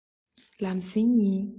ལམ སེང ཡིན